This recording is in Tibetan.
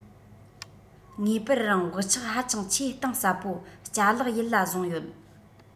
ངེས པར རང བག ཆགས ཧ ཅང ཆེས གཏིང ཟབ པོ ལྕ ལག ཡིད ལ བཟུང ཡོད